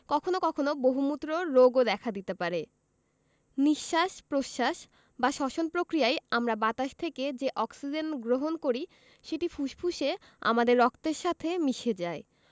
কখনো কখনো বহুমূত্র রোগও দেখা দিতে পারে নিঃশ্বাস প্রশ্বাস বা শ্বসন প্রক্রিয়ায় আমরা বাতাস থেকে যে অক্সিজেন গ্রহণ করি সেটি ফুসফুসে আমাদের রক্তের সাথে মিশে যায়